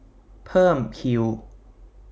เพิ่มคิว